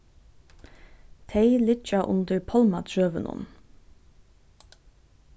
tey liggja undir pálmatrøunum